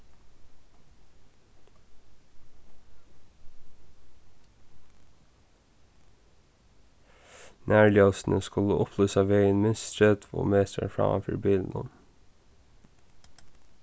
nærljósini skulu upplýsa vegin minst tretivu metrar framman fyri bilinum